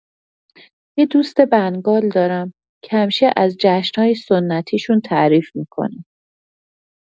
یه دوست بنگال دارم که همیشه از جشن‌های سنتیشون تعریف می‌کنه.